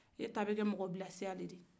e ta bɛ kɛ mɔgɔbilasira de di